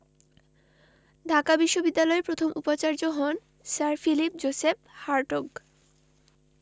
ঢাকা বিশ্ববিদ্যালয়ের প্রথম উপাচার্য হন স্যার ফিলিপ জোসেফ হার্টগ